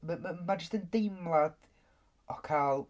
M- m- ma' jyst yn deimlad o cael...